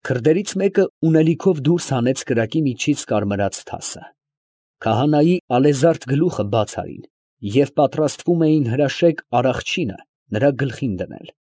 Քրդերից մեկը ունելիքով դուրս հանեց կրակի միջից կարմրած թասը. քահանայի ալեզարդ գլուխը բաց արին, և պատրաստվում էին հրաշեկ արախչինը նրա գլխին դնել։